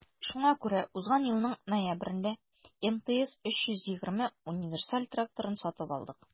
Шуңа күрә узган елның ноябрендә МТЗ 320 универсаль тракторын сатып алдык.